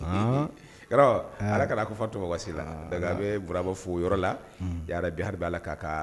G ala ka fa tosi la a bɛ bba fo yɔrɔ la bi ha la ka kan